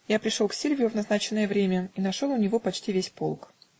Я пришел к Сильвио в назначенное время и нашел у него почти весь полк.